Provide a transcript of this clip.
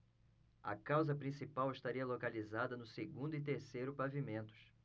a casa principal estaria localizada no segundo e terceiro pavimentos